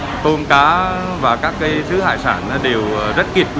tôm cá và các cây dứa hải sản đều rất kiệt quỵ